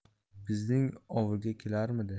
bizning ovulga kelarmidi